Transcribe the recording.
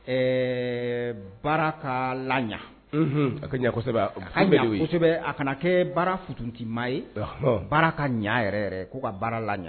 Ɛɛ baara ka la a kana kɛ baara futtimaa ye baara ka ɲɛ yɛrɛ ko ka baara la